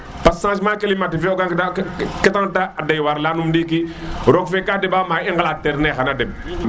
parce que changement climatique fe ke tax na dal te doy waar leya num ndiki roog fe ka deɓa ma i ngalet teer na xaye demb